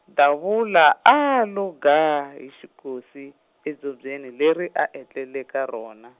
Davula a a lo gaa hi xikosi, edzobyeni leri a etlela ka rona.